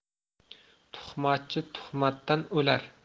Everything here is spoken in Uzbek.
tuhmatchi tuhmatdan o'lar